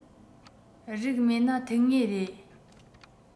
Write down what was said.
རིགས མེད ན ཐུག ངེས རེད